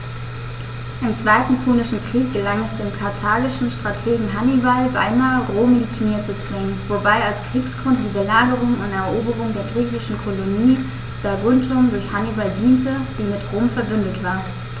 Im Zweiten Punischen Krieg gelang es dem karthagischen Strategen Hannibal beinahe, Rom in die Knie zu zwingen, wobei als Kriegsgrund die Belagerung und Eroberung der griechischen Kolonie Saguntum durch Hannibal diente, die mit Rom „verbündet“ war.